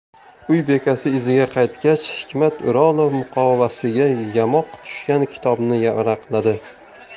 uy bekasi iziga qaytgach hikmat o'rolov muqovasiga yamoq tushgan kitobni varaqladi